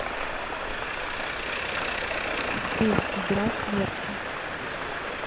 фильм игра смерти